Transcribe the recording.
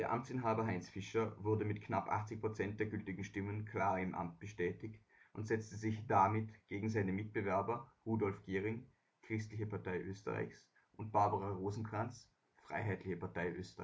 Amtsinhaber Heinz Fischer wurde mit knapp 80 % der gültigen Stimmen klar im Amt bestätigt und setzte sich damit gegen seine Mitbewerber Rudolf Gehring (CPÖ) und Barbara Rosenkranz (FPÖ) durch